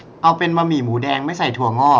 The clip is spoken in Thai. เอาเป็นบะหมี่หมูแดงไม่ใส่ถั่วงอก